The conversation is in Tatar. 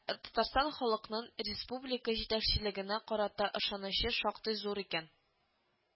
Татарстан халкының республика җитәкчелегенә карата ышанычы шактый зур икән